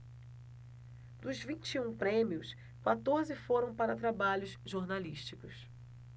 dos vinte e um prêmios quatorze foram para trabalhos jornalísticos